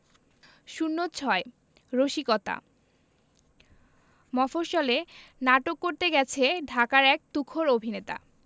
০৬ রসিকতা মফশ্বলে নাটক করতে গেছে ঢাকার এক তুখোর অভিনেতা